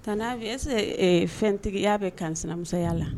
Tani Habi est ce que ee fɛntigiya be kansinamusoya la